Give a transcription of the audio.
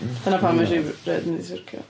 Dyna pam es i erioed mynd i syrca-